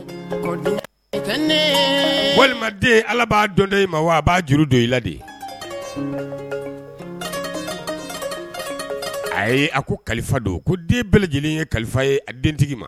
Walimaden ala b'a dɔn ma wa a b'a juru don i ladi a a ko kalifa don ko den bɛɛ lajɛlen ye kalifa ye a dentigi ma